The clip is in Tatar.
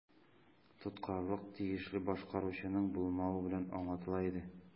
Тоткарлык тиешле башкаручының булмавы белән аңлатыла иде.